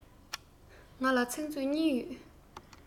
ང ལ ཚིག མཛོད གཉིས ཡོད